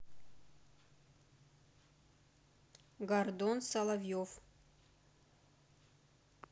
гордон соловьев